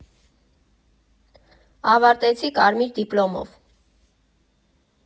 Ավարտեցի կարմիր դիպլոմով։